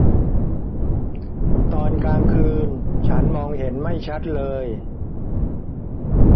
ตอนกลางคืนฉันมองเห็นไม่ชัดเลย